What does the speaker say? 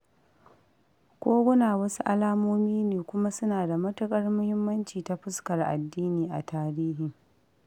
Koguna wasu alamomi ne kuma suna da mutuƙar muhimmanci ta fuskar addini a tarihi.